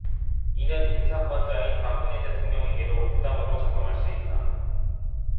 이는 인사권자인 박근혜 대통령에게도 부담으로 작용할 수 있다